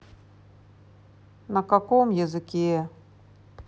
на каком языке